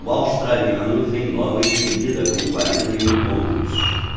o australiano vem logo em seguida com quarenta e um pontos